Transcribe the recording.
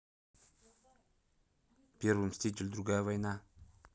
первый мститель другая война